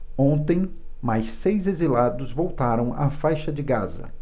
ontem mais seis exilados voltaram à faixa de gaza